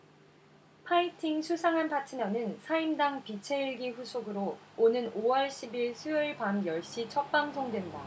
파이팅 수상한 파트너는 사임당 빛의 일기 후속으로 오는 오 월 십 일 수요일 밤 열 시 첫 방송된다